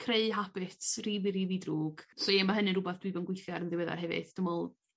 creu habits rili rili drwg so ie ma' hynny'n rwbath dwi bo' yn gwithio ar yn ddiweddar hefyd dwi m'wl